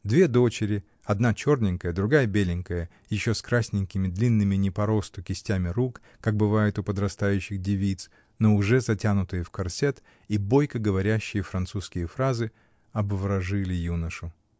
Две дочери, одна черненькая, другая беленькая, еще с красненькими, длинными, не по росту, кистями рук, как бывает у подрастающих девиц, но уже затянутые в корсет и бойко говорящие французские фразы, обворожили юношу.